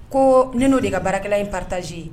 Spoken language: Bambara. Ko ne n'o de ka baarakɛla ye pataze ye